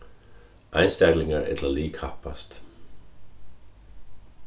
einstaklingar ella lið kappast